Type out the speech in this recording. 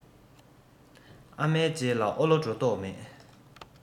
ཨ མའི རྗེས ལ ཨོ ལོ འགྲོ མདོག མེད